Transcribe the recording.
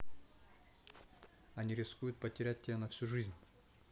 они рискуют потерять тебя на всю жизнь